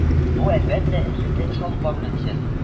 Бу, әлбәттә, эзлекле эш алып бару нәтиҗәсе.